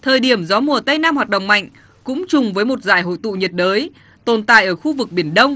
thời điểm gió mùa tây nam hoạt động mạnh cũng trùng với một dải hội tụ nhiệt đới tồn tại ở khu vực biển đông